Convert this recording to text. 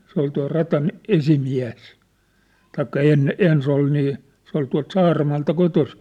se oli tuon radan esimies tai - ensin oli niin se oli tuolta Saaramaalta kotoisin